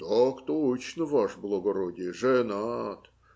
- Так точно, ваше благородие, женат